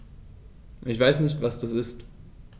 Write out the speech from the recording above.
Ich weiß nicht, was das ist.